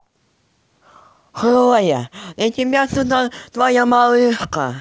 хлоя для тебя сюда твоя малышка